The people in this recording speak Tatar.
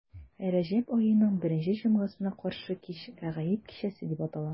Рәҗәб аеның беренче җомгасына каршы кич Рәгаиб кичәсе дип атала.